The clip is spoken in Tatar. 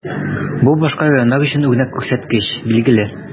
Бу башка районнар өчен үрнәк күрсәткеч, билгеле.